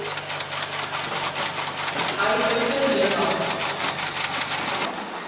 Այդպես էլ եղավ։